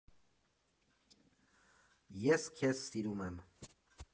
Ես քեզ սիրում եմ։